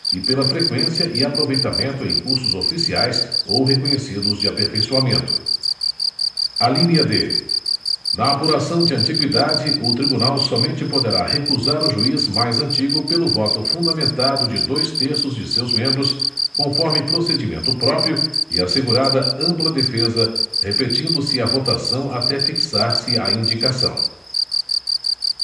e pela freqüência e aproveitamento em cursos oficiais ou reconhecidos de aperfeiçoamento alínea d na apuração de antigüidade o tribunal somente poderá recusar o juiz mais antigo pelo voto fundamentado de dois terços de seus membros conforme procedimento próprio e assegurada ampla defesa repetindo se a votação até fixar se a indicação